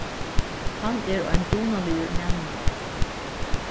hann er ein dugnaligur næmingur